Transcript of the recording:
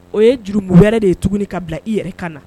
O ye juruugu wɛrɛ de ye tuguni ka bila i yɛrɛ kan na